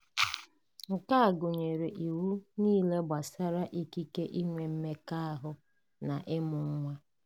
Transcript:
Nke a gụnyere iwu niile gbasara ikike inwe mmekọahụ na ịmụ nwa.